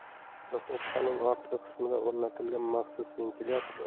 duxovkaning ortki qismida o'rnatilgan maxsus ventilyator